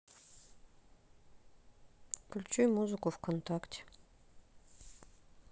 включи музыку в контакте